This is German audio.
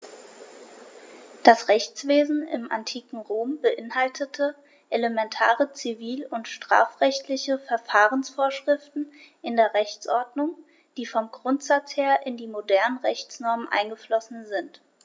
Das Rechtswesen im antiken Rom beinhaltete elementare zivil- und strafrechtliche Verfahrensvorschriften in der Rechtsordnung, die vom Grundsatz her in die modernen Rechtsnormen eingeflossen sind.